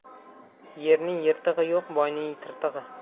yerning yirtig'i yo'q boyning tirtig'i